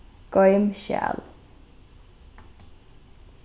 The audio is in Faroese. goym skjal